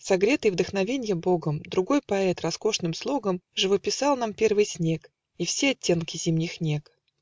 Согретый вдохновенья богом, Другой поэт роскошным слогом Живописал нам первый снег И все оттенки зимних нег